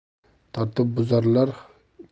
tartibbuzarlar kim desam o'zimiznikilar